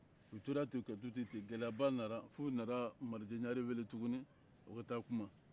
u tora ten ka to ten ɔ gɛlɛyaba nana fɔ u nana marijɛ ɲara wele tugun o ka taa kuma